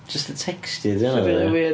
Jyst y texture 'di hynna ddo ia?